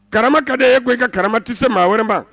Kara ka da e ko ka kara tɛ se maa wɛrɛba